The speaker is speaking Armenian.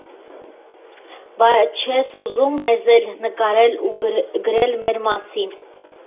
Բա չե՞ս ուզում մեզ էլ նկարել ու գրել մեր մասին։